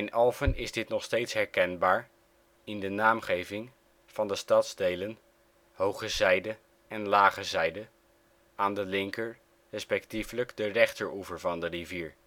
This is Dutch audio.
Alphen is dit nog steeds herkenbaar in de naamgeving van de stadsdelen " Hoge zijde " en " Lage zijde ", aan de linker - respectievelijk de rechteroever van de rivier